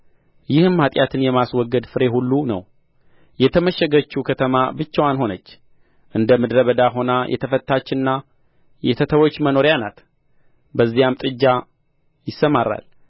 ይህም ኀጢአትን የማስወገድ ፍሬ ሁሉ ነው የተመሸገችው ከተማ ብቻዋን ሆነች እንደ ምድረ በዳ ሆና የተፈታችና የተተወች መኖሪያ ናት በዚያም ጥጃ ይሰማራል